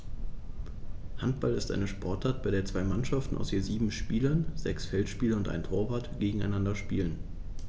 Handball ist eine Sportart, bei der zwei Mannschaften aus je sieben Spielern (sechs Feldspieler und ein Torwart) gegeneinander spielen.